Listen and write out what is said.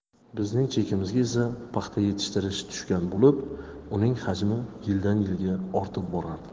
bizning chekimizga esa paxta yetishtirish tushgan bo'lib uning hajmi yildan yilga ortib borardi